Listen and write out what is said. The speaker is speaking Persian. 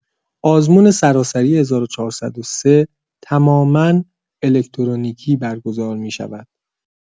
آزمون سراسری ۱۴۰۳ تماما الکترونیکی برگزار می‌شود.